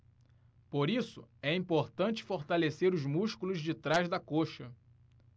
por isso é importante fortalecer os músculos de trás da coxa